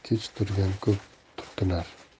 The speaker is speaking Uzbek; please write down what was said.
kech turgan ko'p turtinar